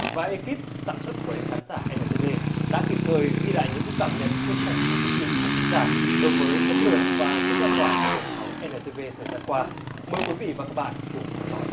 và ê kíp sản xuất với khán giả e nờ tê vê đã kịp thời ghi lại những cảm nhận chia sẻ của quý vị khán thính giả đối với chất lượng và sức lan tỏa của cảnh sóng nờ tê vê thời gian qua mời quý vị và các bạn cùng theo dõi